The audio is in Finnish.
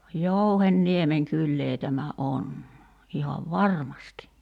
Jouhenniemen kylää tämä on ihan varmasti